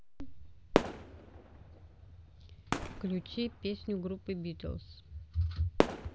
включи песню группы битлз